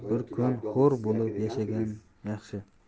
bir kun hur bo'lib yashagan yaxshi